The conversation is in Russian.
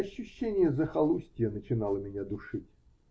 Ощущение захолустья начинало меня душить.